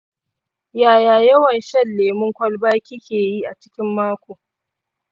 yaya yawan shan lemun kwalba kike yi a cikin mako?